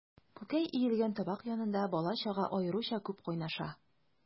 Күкәй өелгән табак янында бала-чага аеруча күп кайнаша.